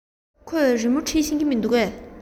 ཁོས རི མོ འབྲི ཤེས ཀྱི མིན འདུག གས